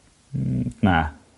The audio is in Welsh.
Mm, na.